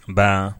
Nba